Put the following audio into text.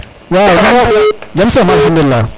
waw jam som alkhamdulila